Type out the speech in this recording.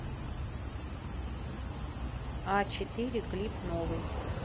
а четыре клип новый